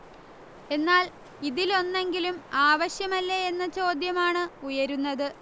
എന്നാൽ ഇതിൽ ഒന്നെങ്കിലും ആവശ്യമല്ലേ എന്ന ചോദ്യമാണ് ഉയരുന്നത്